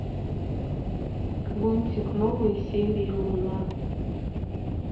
лунтик новые серии луна